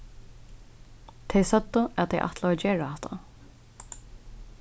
tey søgdu at tey ætlaðu at gera hatta